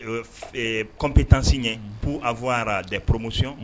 Kɔnmptansi ɲɛ b a fɔyara dɛ poromosiyon